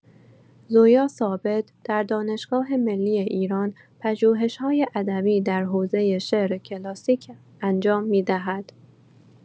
زویا ثابت در دانشگاه ملی ایران پژوهش‌‌های ادبی در حوزه شعر کلاسیک انجام می‌دهد.